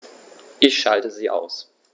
Ich schalte sie aus.